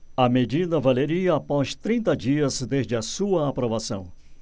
a medida valeria após trinta dias desde a sua aprovação